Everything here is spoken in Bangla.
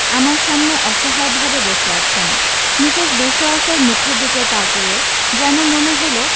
আমার সামনে অসহায়ভাবে বসে আছেন মিসেস বিশোয়াসের মুখের দিকে তাকিয়ে যেন মনে হলো